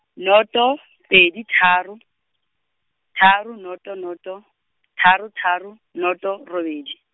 noto, pedi tharo , tharo noto noto, tharo tharo, noto robedi.